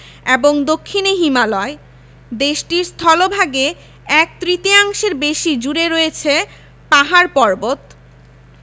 এবং দক্ষিনে হিমালয় দেশটির স্থলভাগে এক তৃতীয়াংশের বেশি জুড়ে রয়ছে পাহাড় পর্বত